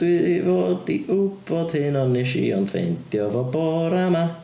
Dwi i fod i wbod hyn ond wnes i ond ffeindio fo bore 'ma.